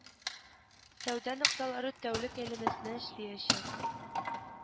Сәүдә нокталары тәүлек әйләнәсенә эшләячәк